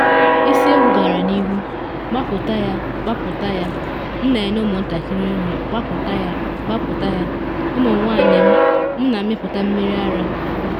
Isi egwu gara n’ihu: “Gbapụta ya, gbapụta ya, m na enye ụmụ ntakịrị nri, gbapụta ya, gbapụta ya, ụmụ nwanyị m, m na amịpụta mmiri ara.”